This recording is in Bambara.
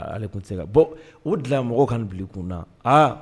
Ale tun ti se ka. Bon o de la mɔgɔw ka bila i kun na aa